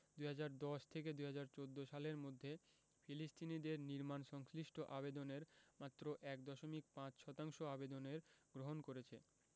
২০১০ থেকে ২০১৪ সালের মধ্যে ফিলিস্তিনিদের নির্মাণ সংশ্লিষ্ট আবেদনের মাত্র ১.৫ শতাংশ আবেদনের গ্রহণ করেছে